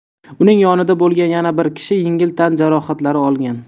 uning yonida bo'lgan yana bir kishi yengil tan jarohatlari olgan